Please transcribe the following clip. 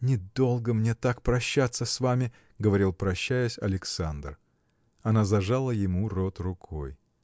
– Недолго мне так прощаться с вами, – говорил, прощаясь, Александр. Она зажала ему рот рукой.